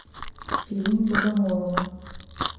фильмы богомолова